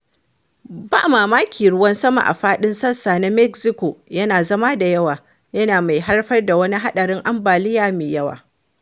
Ba mamaki ruwan sama a faɗin sassa na Mexico ya zama da yawa, yana mai haifar da wani haɗarin ambaliya mai yawa.